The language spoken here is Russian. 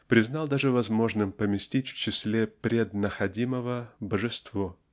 признал даже возможным поместить в числе преднаходимого божество.